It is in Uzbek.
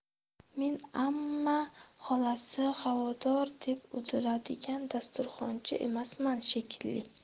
men amma xolasi havodor deb o'tiradigan dasturxonchi emasman shekilli